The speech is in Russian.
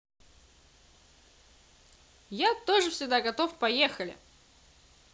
я тоже всегда готов поехали